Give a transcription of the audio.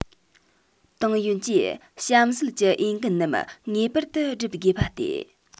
ཏང ཡོན གྱིས གཤམ གསལ གྱི འོས འགན རྣམས ངེས པར དུ བསྒྲུབ དགོས པ སྟེ